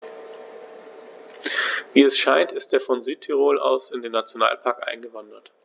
Wie es scheint, ist er von Südtirol aus in den Nationalpark eingewandert.